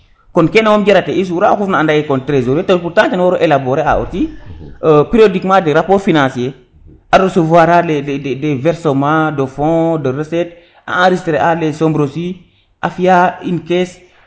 kon kene moom jarate i sura oxu ref na anda ye kon tresorier to pourtant ten waru élaborer a aussi purodiquement des rapport financier a recevoir a des verssement de fonds des recette a enrigistrer a les somme aussi a fiya une caisse